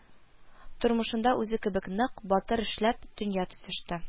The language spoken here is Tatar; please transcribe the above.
Тормышында үзе кебек нык, батыр эшләп дөнья төзеште